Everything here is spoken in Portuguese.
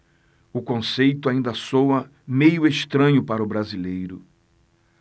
o conceito ainda soa meio estranho para o brasileiro